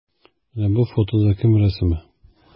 Менә бу фотода кем рәсеме?